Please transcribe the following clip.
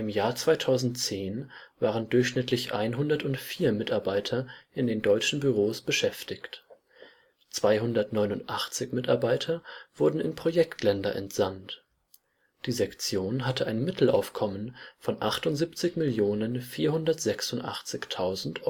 Jahr 2010 waren durchschnittlich 104 Mitarbeiter in den deutschen Büros beschäftigt. 289 Mitarbeiter wurden in Projektländer entsand. Die Sektion hatte ein Mittelaufkommen von 78.486.000 €